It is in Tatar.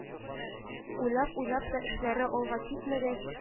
Уйлап-уйлап та эшләре алга китмәгәч